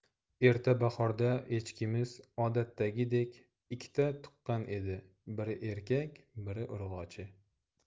erta bahorda echkimiz odatdagidek ikkita tuqqan edi biri erkak biri urg'ochi